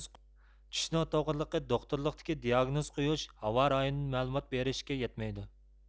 چۈشنىڭ توغرىلىقى دوختۇرلۇقتىكى دىئاگنۇز قويۇش ھاۋارايىدىن مەلۇمات بېرىشكە يەتمەيدۇ